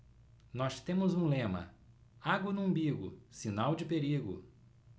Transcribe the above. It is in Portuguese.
nós temos um lema água no umbigo sinal de perigo